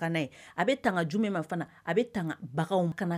Abɛ tanga jumɛn ma fana a bɛ tanga baganw ma.